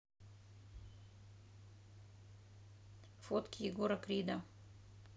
фотки егора крида